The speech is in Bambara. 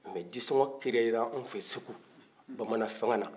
mɛ disɔngɔ ''creera'' anw fɛ segu